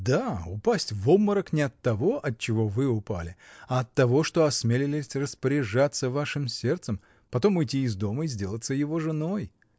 — Да, упасть в обморок не от того, от чего вы упали, а от того, что осмелились распоряжаться вашим сердцем, потом уйти из дома и сделаться его женой.